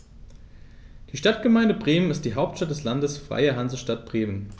Die Stadtgemeinde Bremen ist die Hauptstadt des Landes Freie Hansestadt Bremen.